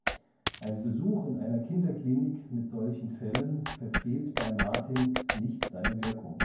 – ein Besuch in einer Kinderklinik mit solchen Fällen verfehlt bei Martins nicht seine Wirkung